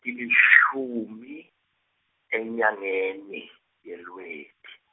tilishumi, enyangeni, yeLweti.